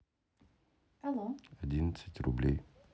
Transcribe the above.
одиннадцать рублей